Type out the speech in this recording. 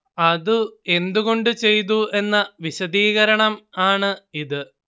അതു എന്തു കൊണ്ട് ചെയ്തു എന്ന വിശദീകരണം ആണ് ഇത്